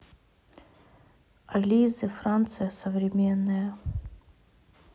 ализи франция современная